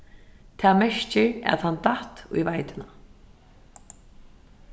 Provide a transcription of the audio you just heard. tað merkir at hann datt í veitina